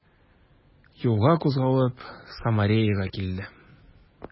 Юлга кузгалып, Самареяга килде.